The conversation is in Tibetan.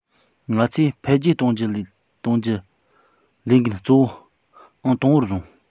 ང ཚོས འཕེལ རྒྱས གཏོང རྒྱུ ལས འགན གཙོ བོ ཨང དང པོར བཟུང